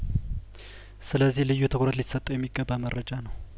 ስለዚህ ልዩ ትኩረት ሊሰጠው የሚገባ መረጃ ነው